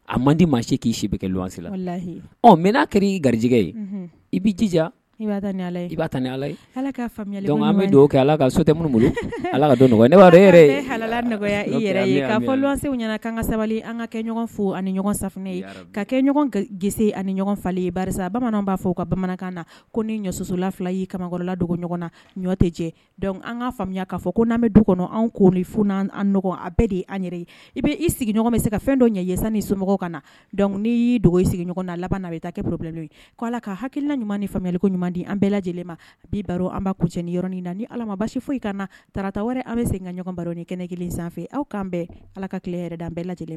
A man di maa se k'i si mɛ'a kɛra ii garijɛgɛ ye i jija'a ni ala kɛ so bolo alala i yɛrɛ ɲɛna ka sabali an ka kɛ fo ani ɲɔgɔn sanfɛf ye ka kɛ gese ani ɲɔgɔn falen ye bamananw b'a fɔ ka bamanankan na ko nisola fila y'i kamakɔrɔla dogo ɲɔgɔn na ɲɔ tɛ cɛ an ka faamuyaya'a fɔ ko n'an bɛ du kɔnɔ anw ko ni f an ɲɔgɔn a bɛɛ de an yɛrɛ ye i bɛ i sigiɲɔgɔn bɛ se ka fɛn dɔ ɲɛsan ni somɔgɔw ka na dɔnku n y'i dogo i sigi ɲɔgɔn na a laban na i taa kɛ poro bilanen ye k ko ala ka hakilikilla ɲuman ni fanliko ɲuman di an bɛɛ lajɛlen ma a bi baro an kunceniɔrɔnin na ni ala ma basi foyi i ka taarata wɛrɛ an bɛ segin ka ɲɔgɔn baro ni kɛnɛ kelen sanfɛ aw'an bɛn ala ka kelen yɛrɛ da an bɛɛ la lajɛlen